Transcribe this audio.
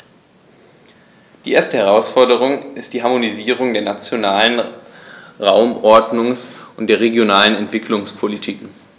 Die erste Herausforderung ist die Harmonisierung der nationalen Raumordnungs- und der regionalen Entwicklungspolitiken.